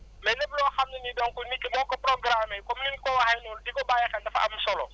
mais lépp loo xam le nii donc nit ki moo ko programmé comme ni nga ko waxee noonu di ko bàyyi xel dafa am solo